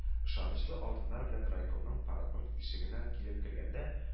Ышанычлы адымнар белән райкомның парадның ишегеннән килеп кергәндә